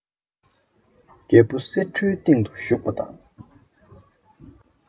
རྒྱལ པོ གསེར ཁྲིའི སྟེང དུ བཞུགས པ དང